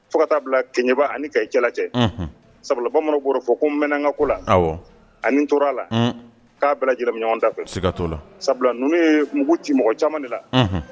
Fo ka taa bila Keɲeba ani kayi cɛla . Sabula bamananw ba fɔ ko n mɛnna n ka ko la ani n tora n ka. ko la , ka bɛɛ bi ma ɲɔgɔn da fɛ sabula munun ye mugu ci mɔgɔ caman de la.